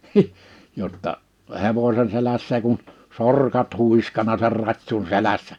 jotta hevosen selässä kun sorkat huiskanut sen ratsun selässä